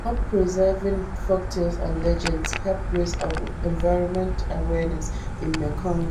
How preserving folktales and legends help raise environment awareness in the Mekong